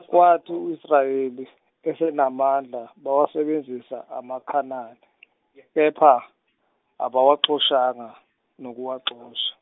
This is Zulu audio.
kwathi u Israyeli esenamandla bawasebenzisa amaKhanani, kepha abawaxoshanga nokuwaxosha.